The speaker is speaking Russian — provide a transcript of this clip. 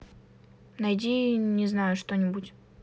найди не знаю что нибудь